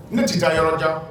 Ne tɛ taa yɔrɔjan